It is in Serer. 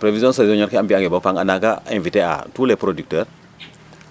prévision saisonniére ke a mbiyange bo pare a nanga inviter a tout les producteur